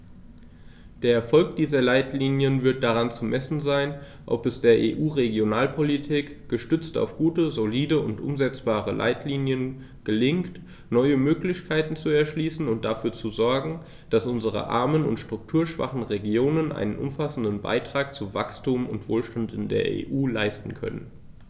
Der Erfolg dieser Leitlinien wird daran zu messen sein, ob es der EU-Regionalpolitik, gestützt auf gute, solide und umsetzbare Leitlinien, gelingt, neue Möglichkeiten zu erschließen und dafür zu sorgen, dass unsere armen und strukturschwachen Regionen einen umfassenden Beitrag zu Wachstum und Wohlstand in der EU leisten können.